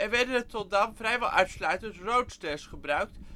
werden tot dan vrijwel uitsluitend " Roadsters " gebruikt